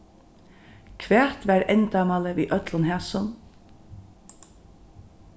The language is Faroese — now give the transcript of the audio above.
hvat var endamálið við øllum hasum